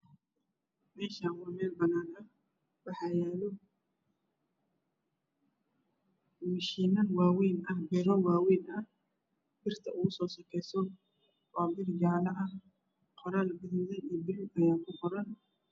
Meshan waa meel badaan ah wax yaalo mashino waween biro waaween ah birta ugusoo sokeeso waa bir jaalo ah qoraal gaduudan iyo qoraal baluug ah ayaa ku qoran